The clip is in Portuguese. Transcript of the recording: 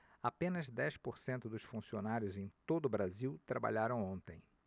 apenas dez por cento dos funcionários em todo brasil trabalharam ontem